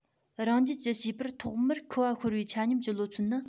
རང རྒྱལ གྱི བྱིས པར ཐོག མར ཁུ བ ཤོར བའི ཆ སྙོམས ཀྱི ལོ ཚོད ནི